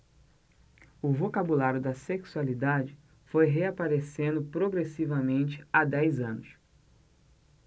o vocabulário da sexualidade foi reaparecendo progressivamente há dez anos